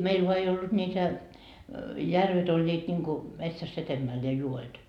meillä vain ei ollut niitä järvet olivat niin kuin metsässä edemmällä ja joet